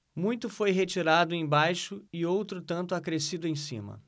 muito foi retirado embaixo e outro tanto acrescido em cima